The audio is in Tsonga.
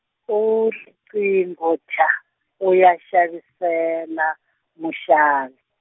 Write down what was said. o riqingho thyaa, o ya xavisela, muxavi.